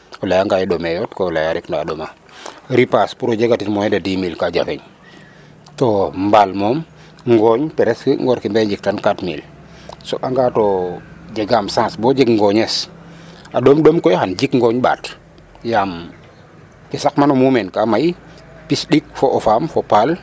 O layanga ye ɗomeeyo koo laya rek ndaa a ɗoma ripaas pour o jegatin moyen de 10000 ka jafeñ to mbaal moom ngooñ presque in mboy njiktan 4000 a soɓa too jegaam chance bo jeg ngooñes a ɗom ɗom ɗom koy xam jik ngooñ ɓaat yaam ke saqma no muumeen ka may piss ɗik, fo o faam fo paal.